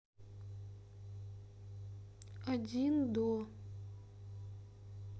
один до